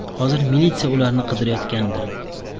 xozir militsiya ularni qidirayotgandir